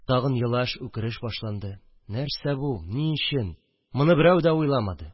Тагын елаш, үкереш башланды. Нәрсә бу? Ни өчен? Моны берәү дә уйламады